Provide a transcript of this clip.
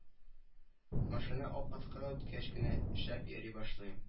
Машина обкатка үткәч кенә шәп йөри башлый